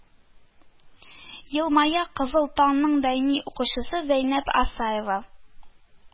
Елмая “кызыл таң”ның даими укучысы зәйнәп асаева